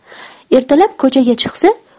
ertalab ko'chaga chiqsa